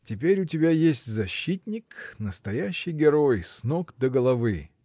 — Теперь у тебя есть защитник, настоящий герой, с ног до головы!.